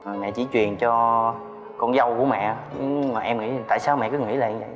mẹ chỉ truyền cho con dâu của mẹ nhưng mà em nghĩ tại sao mẹ cứ nghĩ là